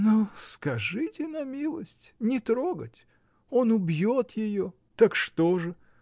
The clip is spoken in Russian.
— Ну, скажите на милость: не трогать! Он убьет ее. — Так что же!